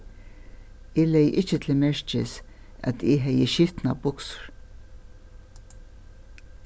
eg legði ikki til merkis at eg hevði skitnar buksur